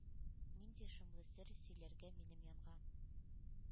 Нинди шомлы сер сөйләргә минем янга?